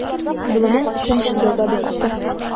Золымың өчен җәза бетте.